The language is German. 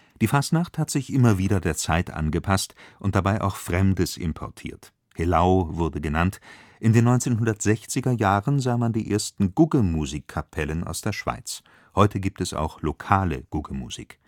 Die „ Fassenacht “hat sich immer wieder der Zeit angepasst und dabei auch Fremdes importiert. „ Helau “wurde genannt. In den 1960er Jahren sah man die ersten Guggemusig-Kapellen aus der Schweiz; heute gibt es auch lokale Guggemusik